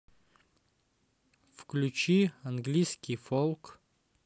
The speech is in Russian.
включи английский фолк